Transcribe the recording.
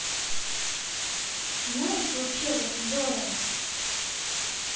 знаешь вообще как здорово